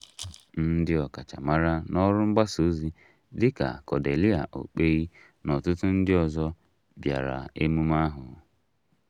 Ndị ọkachamara n'ọrụ mgbasa ozi dịka Cordelia Okpei na ọtụtụ ndị ọzọ bịara emume ahụ.